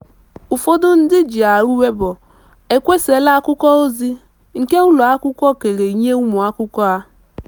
Ụfọdụ ndị njiarụ Weibo ekesala akwụkwọ ozi nke ụlọakwụkwọ kere nye ụmụakwụkwọ ha.